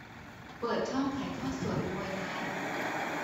เปิดช่องถ่ายทอดสดมวยไทย